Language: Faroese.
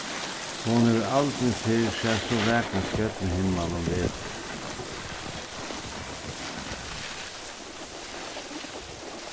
hon hevur aldrin fyrr sæð so vakran stjørnuhimmal um veturin